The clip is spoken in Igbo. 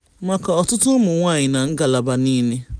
Maka ọtụtụ ụmụnwaanyị na ngalaba niile.